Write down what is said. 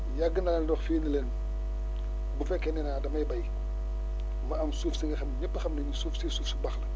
yàgg naa di wax fii ni leen bu fekkee nee naa damay béy ba am suuf si nga xam ñëpp xam nañu suuf si suuf su baax la